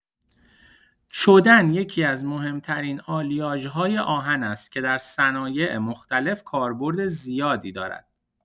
چدن یکی‌از مهم‌ترین آلیاژهای آهن است که در صنایع مختلف کاربرد زیادی دارد.